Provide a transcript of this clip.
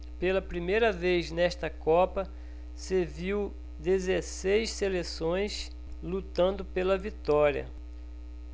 pela primeira vez nesta copa se viu dezesseis seleções lutando pela vitória